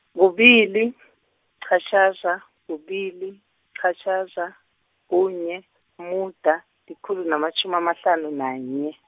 kubili , -qatjhaza, kubili, -qatjhaza, kunye, umuda, likhulu namatjhumi amahlanu nanye.